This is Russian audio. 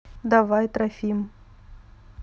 давай трофим